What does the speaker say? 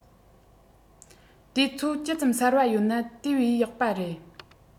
དུས ཚོད ཇི ཙམ གསར བ ཡོད ན དེ བས ཡག པ རེད